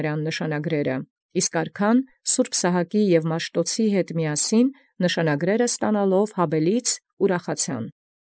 Իսկ արքային հանդերձ միաբան սրբովքն Սահակաւ և Մաշթոցիւ՝ ընկալեալ զնշանագիրսն ի Հաբէլէն, ուրախ լինէին։